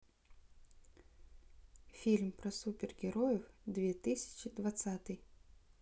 фильм про супергероев две тысячи двадцатый